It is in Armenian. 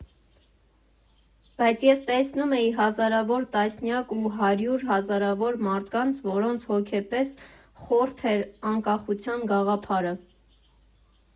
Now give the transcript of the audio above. Բայց ես տեսնում էի հազարավոր, տասնյակ ու հարյուր հազարավոր մարդկանց, որոնց հոգեպես խորթ էր անկախության գաղափարը։